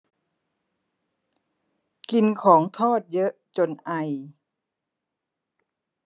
กินของทอดเยอะจนไอ